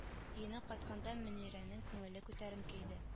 Өенә кайтканда мөнирәнең күңеле күтәренке иде